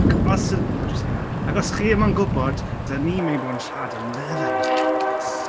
Ac os y-...what do you say now? Ac os chi'm yn gwybod dan ni'n mynd i fod yn siarad am Love Island.